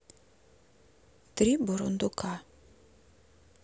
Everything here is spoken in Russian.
три бурундука